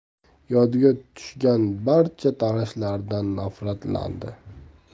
yodiga tushgan barcha tanishlaridan nafratlandi